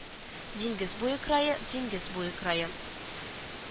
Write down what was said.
Диңгез буе крае Диңгез буе крае